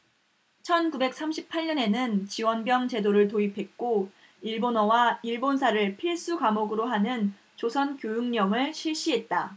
천 구백 삼십 팔 년에는 지원병 제도를 도입했고 일본어와 일본사를 필수과목으로 하는 조선교육령을 실시했다